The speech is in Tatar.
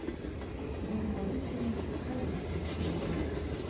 Дон Морисионың хәзер үк килеп чыгуы бар.